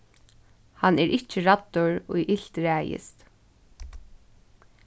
hann er ikki ræddur ið ilt ræðist